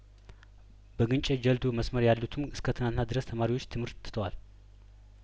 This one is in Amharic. በግንጨ ጀልዱ መስመር ያሉትም እስከ ትናንትና ድረስ ተማሪዎች ትምህርት ትተዋል